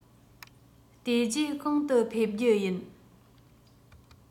དེ རྗེས གང དུ ཕེབས རྒྱུ ཡིན